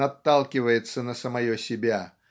наталкивается на самое себя